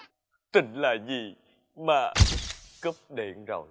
tình là gì mà cúp điện rồi